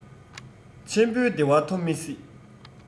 ཆེན པོའི བདེ བ ཐོབ མི སྲིད